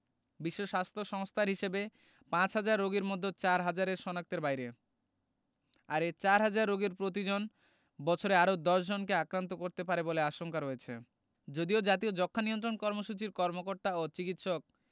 বিশ্ব স্বাস্থ্য সংস্থার হিসেবে পাঁচহাজার রোগীর মধ্যে চারহাজার শনাক্তের বাইরে আর এ চারহাজার রোগীর প্রতিজন বছরে আরও ১০ জনকে আক্রান্ত করতে পারে বলে আশঙ্কা রয়েছে যদিও জাতীয় যক্ষ্মা নিয়ন্ত্রণ কর্মসূচির কর্মকর্তা ও চিকিৎসক